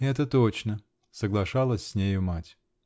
-- Это точно, -- соглашалась с нею мать.